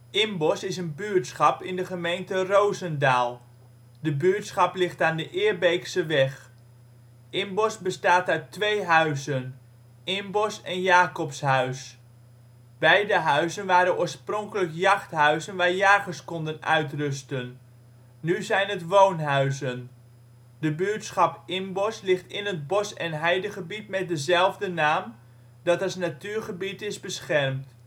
Imbosch is een buurtschap in de gemeente Rozendaal. De buurtschap ligt aan de Eerbeekseweg. Imbosch bestaat uit twee huizen, Imbosch en Jacobshuis. Beide huizen waren oorspronkelijk jachthuizen waar jagers konden uitrusten. Nu zijn het woonhuizen. De buurtschap Imbosch ligt in het bos - en heidegebied met dezelfde naam, dat als natuurgebied is beschermd